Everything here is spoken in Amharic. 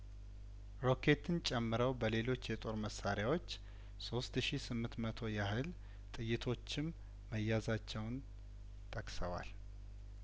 ሮኬትን ጨምረው በሌሎች የጦር መሳሪያዎች ሶስት ሺ ስምንት መቶ ያህል ጥይቶችም መያዛቸውን ጠቅሰዋል